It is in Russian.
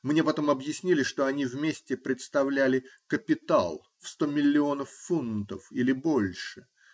Мне потом объяснили, что они вместе представляли капитал в сто миллионов фунтов, или больше.